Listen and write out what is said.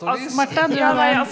altså Marta, du hadde en.